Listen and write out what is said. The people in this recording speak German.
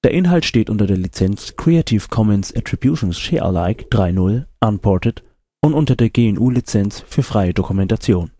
Inhalt steht unter der Lizenz Creative Commons Attribution Share Alike 3 Punkt 0 Unported und unter der GNU Lizenz für freie Dokumentation